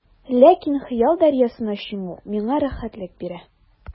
Ләкин хыял дәрьясына чуму миңа рәхәтлек бирә.